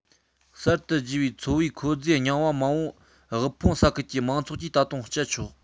གསར དུ བརྗེས པའི འཚོ བའི མཁོ རྫས རྙིང པ མང པོ དབུལ ཕོངས ས ཁུལ གྱི མང ཚོགས ཀྱིས ད དུང སྤྱད ཆོག